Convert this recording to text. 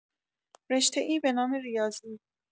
رشته‌ای به نام ریاضی